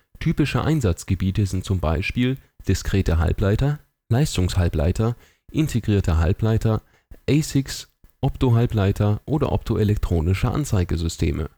Typische Einsatzgebiete sind zum Beispiel diskrete Halbleiter, Leistungshalbleiter, integrierte Halbleiter, ASICS, Optohalbleiter oder optoelektronische Anzeigesysteme